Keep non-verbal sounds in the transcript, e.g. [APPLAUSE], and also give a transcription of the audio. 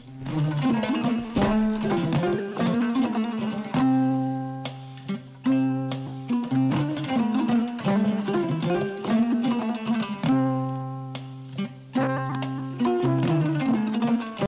[MUSIC]